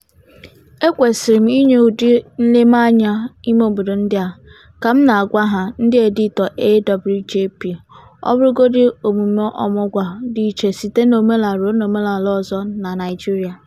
“Ekwesịrị m inye ụdị nlemianya imeobodo ndị a… Ka m na-agwa ha [ndị editọ AWJP] ọbụlagodi omume ọmụgwọ a dị iche site n'omenala ruo na omenala ọzọ na Naịjirịa.